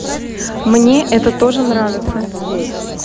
мне это тоже нравится